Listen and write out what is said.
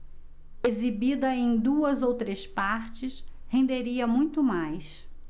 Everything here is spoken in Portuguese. exibida em duas ou três partes renderia muito mais